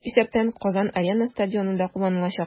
Шул исәптән "Казан-Арена" стадионы да кулланылачак.